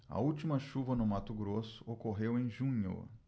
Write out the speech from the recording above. a última chuva no mato grosso ocorreu em junho